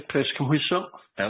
Ia pres cymhwyso.